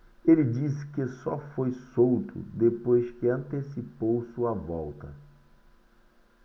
ele disse que só foi solto depois que antecipou sua volta